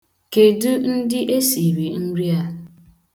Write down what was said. Kedụ ndị e siiri nri a?